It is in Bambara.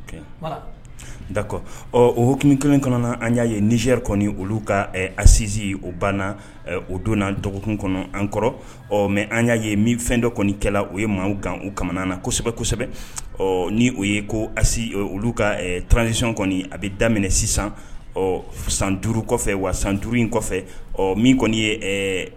Da kɔ o hk kelen kɔnɔna an y'a yezri kɔni olu ka a sinzsi o banna o don dɔgɔkun kɔnɔ an kɔrɔ ɔ mɛ an y'a ye ni fɛn dɔ kɔni kɛlɛ u ye maa kan u kamana na kosɛbɛ kosɛbɛ ɔ ni o ye ko ayi olu ka tranzsi kɔni a bɛ daminɛ sisan ɔ san duuru kɔfɛ wa san duuruuru in kɔfɛ ɔ min kɔni ye